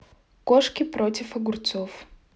кошки против огурцов